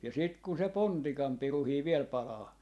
ja sitten kun se pontikan pirukin vielä palaa